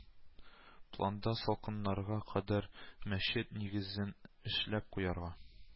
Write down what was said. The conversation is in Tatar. Планда салкыннарга кадәр мәчет нигезен эшләп куярга